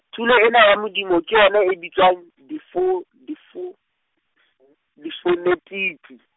tula ena ya madimo ke yona e bitswang, difo- difo- difonetiki.